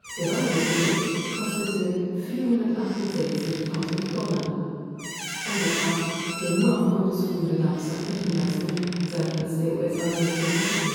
Der Bau des ENIAC kostete 468.000 $, ein Betrag, der nur aufgrund des hohen Bedarfs an Rechenleistung seitens der US-Armee zur Verfügung